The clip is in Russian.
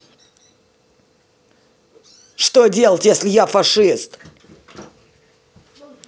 что делать если я фашист